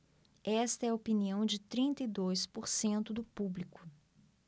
esta é a opinião de trinta e dois por cento do público